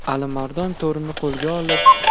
alimardon torini qo'lga olib